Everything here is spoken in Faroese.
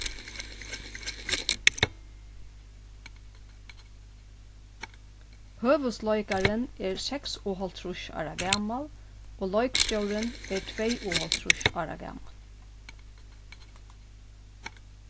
høvuðsleikarin er seksoghálvtrýss ára gamal og leikstjórin er tveyoghálvtrýss ára gamal